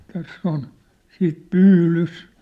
tässä on sitten pyydys